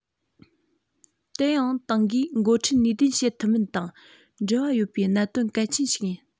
དེའང ཏང གིས འགོ ཁྲིད ནུས ལྡན བྱེད ཐུབ མིན དང འབྲེལ བ ཡོད པའི གནད དོན གལ ཆེན ཞིག ཡིན